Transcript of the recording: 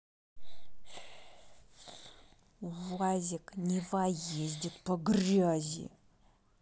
увазик нива ездит по грязи